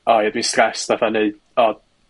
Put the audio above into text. Oh you'll be stressed fatha neud, o